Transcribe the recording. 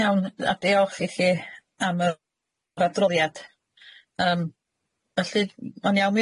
Iawn a diolch i chi am yr adroddiad yym felly ma'n inawn